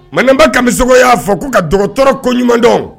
Mandeninba kamigo y'a fɔ k'u ka dɔgɔtɔrɔ koɲumandɔn